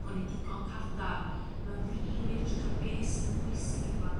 bo' ni'n digon cadarn mewn rili edrych ar beth sydd yn bwysig i blant